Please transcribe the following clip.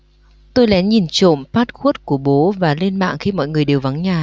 tôi lén nhìn trộm password của bố và lên mạng khi mọi người đều vắng nhà